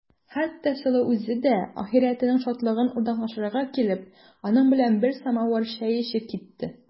Хәтта Сылу үзе дә ахирәтенең шатлыгын уртаклашырга килеп, аның белән бер самавыр чәй эчеп китте.